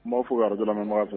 N' fɔ ara dɔmɛ fɛ